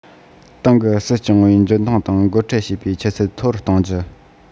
ཏང གི སྲིད སྐྱོང བའི འཇོན ཐང དང འགོ ཁྲིད བྱེད པའི ཆུ ཚད མཐོ རུ གཏོང རྒྱུ